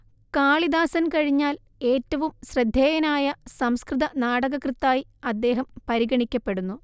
കാളിദാസൻ കഴിഞ്ഞാൽ ഏറ്റവും ശ്രദ്ധേയനായ സംസ്കൃതനാടകകൃത്തായി അദ്ദേഹം പരിഗണിക്കപ്പെടുന്നു